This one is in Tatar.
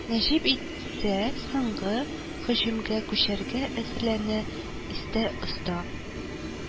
Нәҗип исә соңгы һөҗүмгә күчәргә әзерләнә, истә-оста